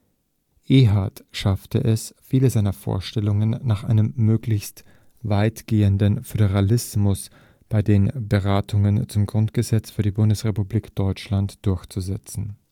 Ehard schaffte es, viele seiner Vorstellungen nach einem möglichst weitgehenden Föderalismus bei den Beratungen zum Grundgesetz für die Bundesrepublik Deutschland durchzusetzen